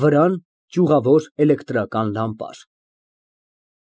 Վրան ճյուղավոր էլեկտրական լամպար։